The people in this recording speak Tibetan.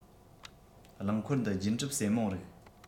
རླངས འཁོར འདི རྒྱུན གྲབས སྲེ མོང རིགས